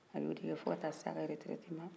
a ye o de kɛ fo ka taa se a ka eretirɛti ma